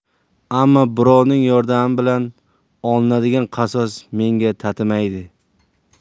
ammo birovning yordami bilan olinadigan qasos menga tatimaydi